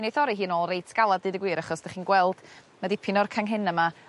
mi 'nei dorri hi yn ôl reit galad deud y gwir achos 'dych chi'n gweld ma' dipyn o'r canghena 'ma